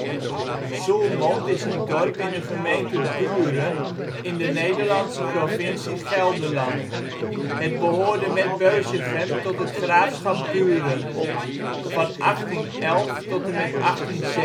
Zoelmond is een dorp in de gemeente Buren in de Nederlandse provincie Gelderland. Het behoorde met Beusichem tot het graafschap Buren. Van 1811 tot en met 1817